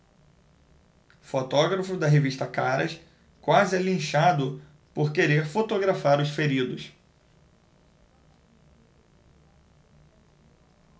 fotógrafo da revista caras quase é linchado por querer fotografar os feridos